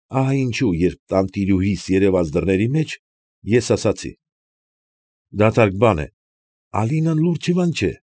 Ահա ինչու երբ տանտիրուհիս երևաց դռների մեջ, ես ասացի. ֊ Դատարկ բան է. Ալինան լուրջ հիվանդ չէ։